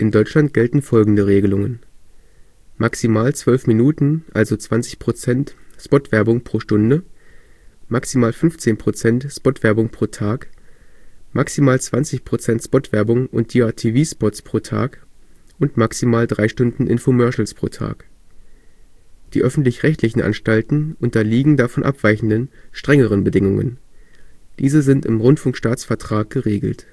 Deutschland gelten folgende Regelungen: Maximal 12 Minuten (= 20 %) Spotwerbung pro Stunde Maximal 15 % Spotwerbung pro Tag Maximal 20 % Spotwerbung + DRTV-Spots pro Tag Maximal 3 Stunden Infomercials pro Tag Die öffentlich-rechtlichen Anstalten unterliegen davon abweichenden, strengeren Bedingungen. Diese sind im Rundfunkstaatsvertrag geregelt